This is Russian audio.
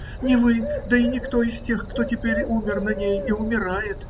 - Не вы, да и никто из тех, кто теперь умер на ней и умирает.